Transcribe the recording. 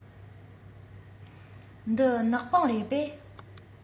འདི ནག པང རེད པས